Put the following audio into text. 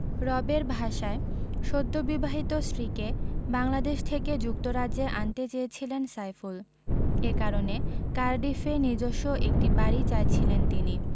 রবের ভাষায় সদ্যবিবাহিত স্ত্রীকে বাংলাদেশ থেকে যুক্তরাজ্যে আনতে চেয়েছিলেন সাইফুল এ কারণে কার্ডিফে নিজস্ব একটি বাড়ি চাইছিলেন তিনি